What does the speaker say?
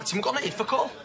A ti'm yn gofo neud ffyc all!